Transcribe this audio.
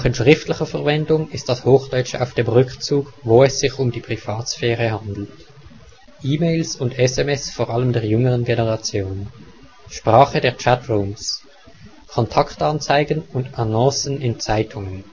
schriftlicher Verwendung ist das Hochdeutsche auf dem Rückzug, wo es sich um die Privatsphäre handelt: E-Mails und SMS vor allem der jüngeren Generation Sprache der Chatrooms Kontaktanzeigen und Annoncen in Zeitungen